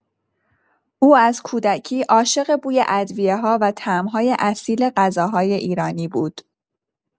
او از کودکی عاشق بوی ادویه‌ها و طعم‌های اصیل غذاهای ایرانی بود.